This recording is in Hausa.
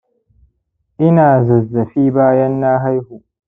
ina zazzafi bayan na haihu